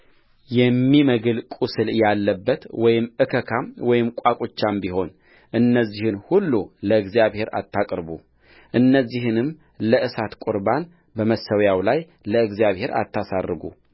የሚመግል ቍስል ያለበት ወይም እከካም ወይም ቋቍቻም ቢሆን እነዚህን ሁሉ ለእግዚአብሔር አታቅርቡ እነዚህም ለእሳት ቍርባን በመሠዊያው ላይ ለእግዚአብሔር አታሳርጉ